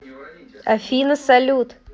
афина салют